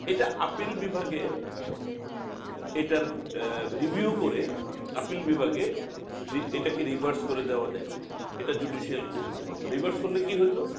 এটা আপিল বিভাগে এটা রিভিউ করে আপিল বিভাগে এটা কে রিভার্স করে দেয়া যাইত এটা জুডিশিয়াল ক্যু হইতে পারতো রিভার্স করলে কি হইত